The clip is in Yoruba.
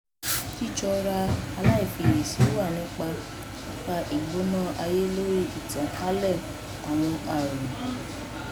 "Ìjíròrò aláfiyèsí wà nípa ipa ìgbòná ayé lórí ìtànkálẹ̀ àwọn àrùn.